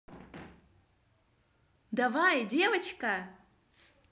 давай девчонка